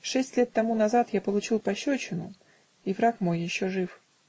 Шесть лет тому назад я получил пощечину, и враг мой еще жив.